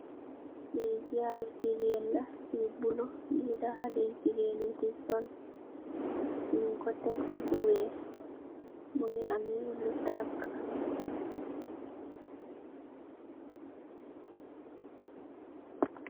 Lii jaarou gigain la yu bleu, lii la haleh yu gigain yii daey sol, njung kor tek fu wekh, mungy ameh lu taak.